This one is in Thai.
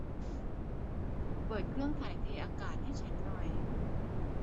เปิดเครื่องถ่ายเทอากาศให้ฉันหน่อย